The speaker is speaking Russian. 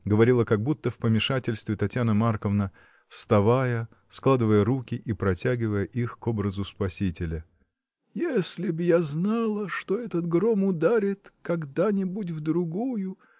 — говорила, как будто в помешательстве, Татьяна Марковна, вставая, складывая руки и протягивая их к образу Спасителя, — если б я знала, что этот гром ударит когда-нибудь в другую.